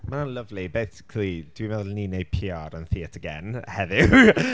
Ma' hwnna’n lyfli basically dwi’n meddwl ni’n wneud PR am Theatr Gen heddiw.